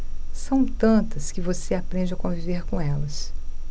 são tantas que você aprende a conviver com elas